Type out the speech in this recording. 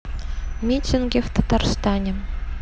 митинги в татарстане